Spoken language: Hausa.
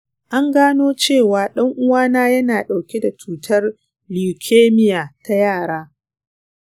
an gano cewa ɗan-uwana ya na ɗauke da cutar leukemia ta yara